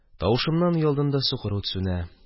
Тавышымнан өйалдында сукыр ут сүнә.